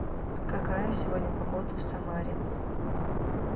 какая сегодня погода в самаре